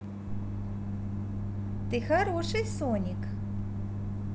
ты хороший соник